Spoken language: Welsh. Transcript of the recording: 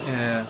Ie.